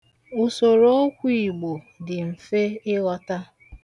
Usorookwu Igbo dị mfe ịghọta.